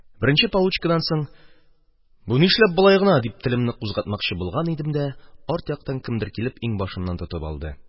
Беренче получкадан соң «Бу нишләп болай гына?» дип телемне кузгатмакчы булган идем дә, арт яктан кемдер килеп иңбашымнан тотып алды.